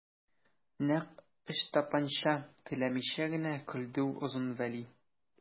Нәкъ Ычтапанча теләмичә генә көлде Озын Вәли.